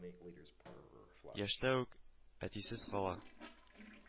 Яшьтә үк әтисез кала